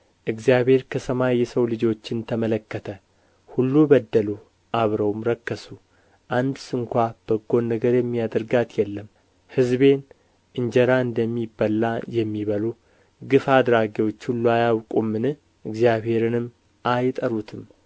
እግዚአብሔር ከሰማይ የሰው ልጆችን ተመለከተ ሁሉ በደሉ አብረውም ረከሱ አንድ ስንኳ በጎን ነገር የሚያደርጋት የለም ሕዝቤን እንጀራ እንደሚበላ የሚበሉ ግፍ አድራጊዎች ሁሉ አያውቁምን እግዚአብሔርንም አይጠሩትም